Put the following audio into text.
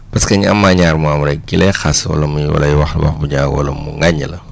parce que ñi am ñaar moo am rek ki lay xas wala muy wala mu lay wax wax bu ñaaw wala mu ŋaññi la la